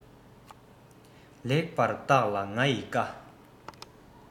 ལེགས པར བརྟག ལ ང ཡི བཀའ